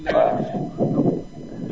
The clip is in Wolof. waaw